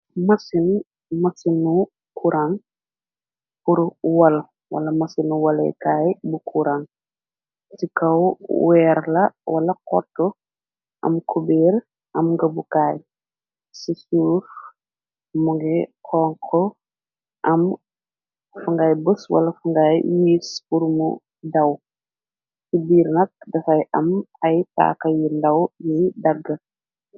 Masin masinu kuran pur wall, wala masinu walekaay bu kuran, ci kaw weer la wala xootu, am kubiir, am ngabukaay, ci suuf munge xonxu, am fu ngay bës wala fungay wiis pur my daw, ci biir nak dafay am ay taaka yi ndaw yi dàgga.